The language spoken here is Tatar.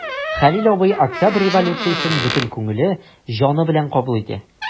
Хәлил абый Октябрь революциясен бөтен күңеле, җаны белән кабул итә.